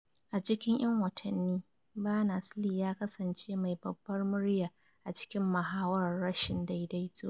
A cikin 'yan watanni, Berners-Lee ya kasance mai babbar murya a cikin muhawarar rashin daidaito.